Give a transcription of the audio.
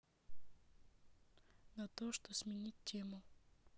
на то что сменить тему